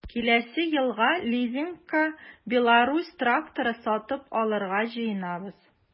Киләсе елга лизингка “Беларусь” тракторы сатып алырга җыенабыз.